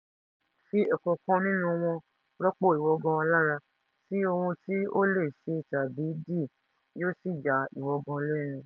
Fi [ọ̀kankan nínú wọn] rọ́pò ìwọ gan alára ti ohun tí o lè ṣe tàbí dì yóò sì ya ìwọ gan lẹ́nu.